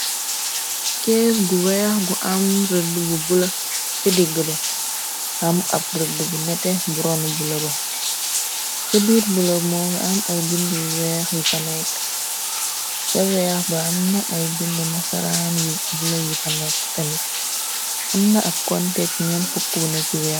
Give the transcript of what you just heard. kees gu weex gu am rëdd bu bula ca digg ba am ab rëdd bu nete bu ron bu la ba ca biir bula mo nga am ay bind yu weex yu fa nekk ca weex ba am na ay bindu nasaraan yu bula yi fa nekk tamit amna ab kontek ñeen fukk bu nec yu weex